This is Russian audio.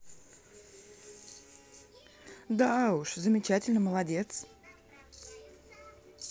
да уж замечательно молодец